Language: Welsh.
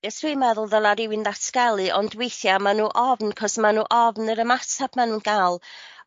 Yes dwi'n meddwl ddyla rywun ddatgelu ond weithia' ma' n'w ofn 'c'os ma' n'w ofn yr ymatab ma nw'n ga'l.